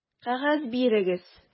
Кәгазь бирегез!